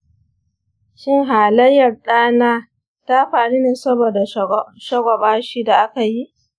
shin halayyar ɗana ta faru ne saboda shagwaba shi da aka yi?